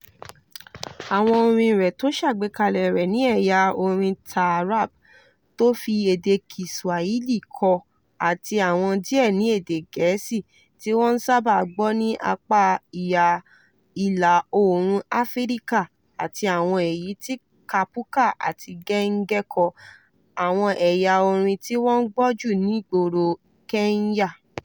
Àwọn orin rẹ̀ tó ṣàgbékalẹ̀ rẹ̀ ní ẹ̀yà orin Taarab tó fi èdè Kiswahili kọ àti àwọn díẹ̀ ni èdè gẹ̀ẹ́sì tí wọ́n ń sàbà gbọ̀ ní apá ìhà Ìlà-oòrùn Áfíríkà, àti àwọn èyí tó Kapuka and Genge kọ, àwọn ẹ̀yà orin tí wọ́n ń gbọ́ jù ní ìgboro Kenya.